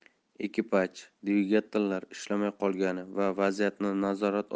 ekipaj dvigatellar ishlamay qolgani va vaziyatni nazorat